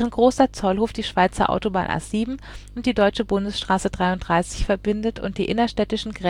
grosser Zollhof die Schweizer Autobahn A7 und die deutsche Bundesstrasse 33 verbindet und die innerstädtischen